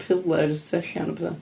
Pillars tu allan a pethau.